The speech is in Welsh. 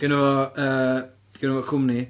gynna fo yy gynna fo cwmni.